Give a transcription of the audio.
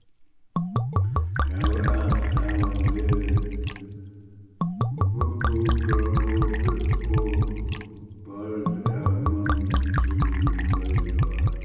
av at hava verið bukað og og bard av manni sínum í fleiri ár